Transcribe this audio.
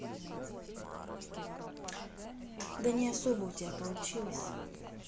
да не особо у тебя получилось